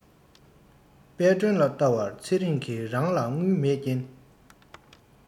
དཔལ སྒྲོན ལ བལྟ བར ཚེ རིང གི རང ལ དངུལ མེད རྐྱེན